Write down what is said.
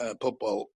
yy pobol